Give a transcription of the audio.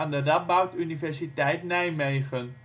de Radboud Universiteit Nijmegen1